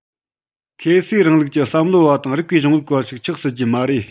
ཁེ སིའི རིང ལུགས ཀྱི བསམ བློ བ དང རིགས པའི གཞུང ལུགས པ ཞིག ཆགས སྲིད ཀྱི མ རེད